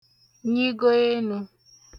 nyìgo enū